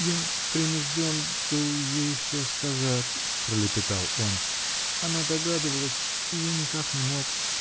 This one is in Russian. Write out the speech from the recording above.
-- Я принужден был ей все сказать, -- пролепетал он, -- она догадывалась, и я никак не мог.